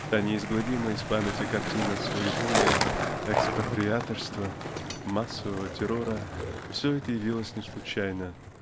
та неизгладимая из памяти картина своеволия экспроприаторства массового террора все это явилось не случайно